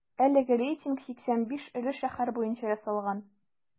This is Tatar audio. Әлеге рейтинг 85 эре шәһәр буенча ясалган.